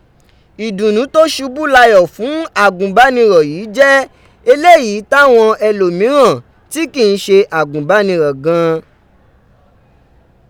Idunnu to ṣubu layọ fun agunbanirọ yii jẹ eleyi tawọn ẹlomiran ti kii ṣe agunbanirọ gan